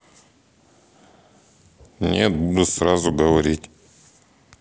нет буду сразу говорить